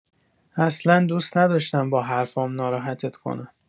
اصلا دوست نداشتم با حرفام ناراحتت کنم.